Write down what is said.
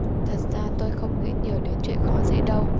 thật ra tôi không nghĩ nhiều đến chuyện khó dễ đâu